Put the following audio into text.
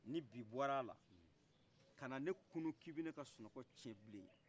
ni bɔr' ala kana ne kunu k'ibe ne ka sinɔgɔ tiyen bilen